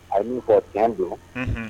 A' ka tiɲɛ don